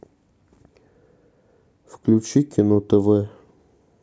включи кино тв